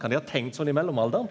kan dei ha tenkt sånn i mellomalderen?